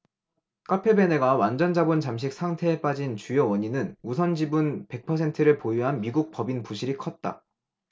카페베네가 완전자본잠식 상태에 빠진 주요 원인은 우선 지분 백 퍼센트를 보유한 미국법인 부실이 컸다